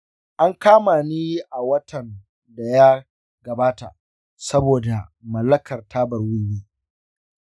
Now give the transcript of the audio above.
an kama ni a watan da ya gabata saboda mallakar tabar wiwi.